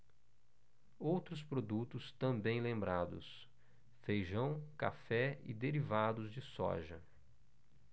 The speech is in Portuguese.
outros produtos também lembrados feijão café e derivados de soja